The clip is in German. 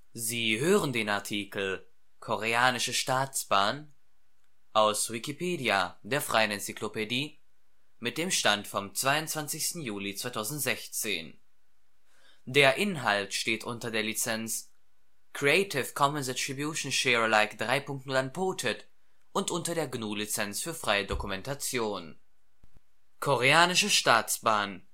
Sie hören den Artikel Koreanische Staatsbahn, aus Wikipedia, der freien Enzyklopädie. Mit dem Stand vom Der Inhalt steht unter der Lizenz Creative Commons Attribution Share Alike 3 Punkt 0 Unported und unter der GNU Lizenz für freie Dokumentation. Koreanische Staatsbahn Chosŏn Minjujuŭi Inmin Konghwaguk Ch'ŏltosŏng 조선민주주의인민공화국 철도성 Rechtsform Staatsunternehmen Gründung September 1948 Sitz Korea Nord Pjöngjang Leitung Pak Yong Sok (1998) Branche Transport/Logistik Stand: 9. August 2015 Vorlage:Infobox Unternehmen/Wartung/Stand 2015 Ein Dispatcher im Dienst Die Koreanische Staatsbahn